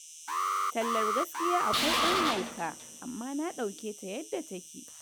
tallar gaskiya akwai dan hauka amma na dauke ta yadda ta ke.